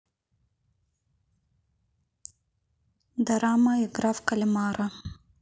дорама игра в кальмара